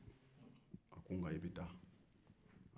nka i bɛ taa